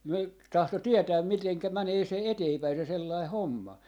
ne - tahtoi tietää miten menee se eteenpäin se sellainen homma